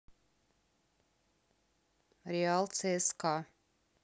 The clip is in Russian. реал цска